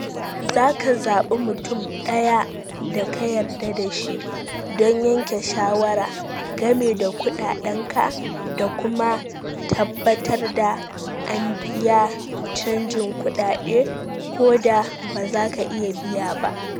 Zaka zabi mutum daya da ka yarda da shi don yanke shawara game da kudaden ka da kuma tabbatar da an biya cajin kudade koda bazaka iya biya ba.